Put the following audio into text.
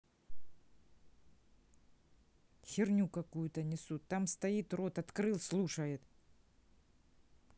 херню какую то несут там стоит рот открыл слушает